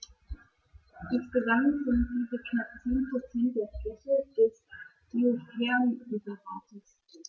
Insgesamt sind dies knapp 10 % der Fläche des Biosphärenreservates.